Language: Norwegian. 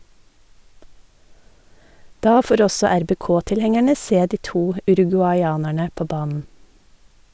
Da får også RBK-tilhengerne se de to uruguayanerne på banen.